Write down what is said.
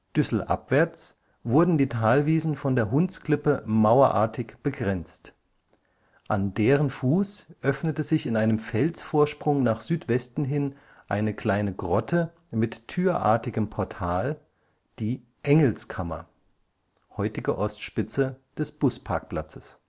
Düsselabwärts wurden die Talwiesen von der Hundsklippe mauerartig begrenzt. An deren Fuß öffnete sich in einem Felsvorsprung nach Südwesten hin eine kleine Grotte mit türartigem Portal, die Engelskammer (heutige Ostspitze des Busparkplatzes